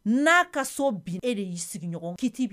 N'a ka so bin e de y'i sigiɲɔgɔn